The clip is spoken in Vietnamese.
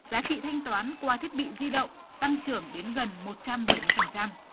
giá trị thanh toán qua thiết bị di động tăng trưởng đến gần một trăm bảy mươi phần trăm